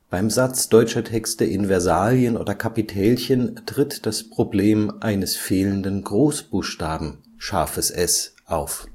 Beim Satz deutscher Texte in Versalien oder Kapitälchen tritt das Problem eines fehlenden Großbuchstaben „ ß “auf